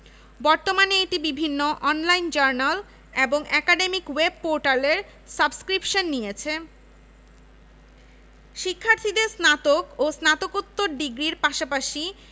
বর্তমানে এটি বিভিন্ন অন লাইন জার্নাল এবং একাডেমিক ওয়েব পোর্টালের সাবস্ক্রিপশান নিয়েছে শিক্ষার্থীদের স্নাতক ও স্নাতকোত্তর ডিগ্রির পাশাপাশি